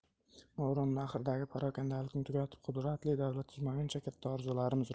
movarounnahrdagi parokandalikni tugatib qudratli davlat tuzmaguncha katta orzularimiz